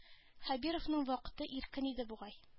Хәбировның вакыты иркен иде бугай